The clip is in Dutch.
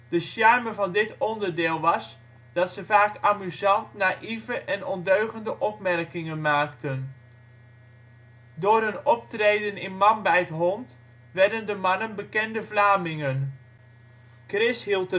charme van dit onderdeel was dat ze vaak amusant naïeve of ondeugende opmerkingen maakten. Door hun optreden in Man bijt hond werden de mannen bekende Vlamingen. Kris hield